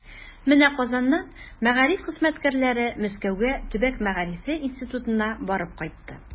Менә Казаннан мәгариф хезмәткәрләре Мәскәүгә Төбәк мәгарифе институтына барып кайтты.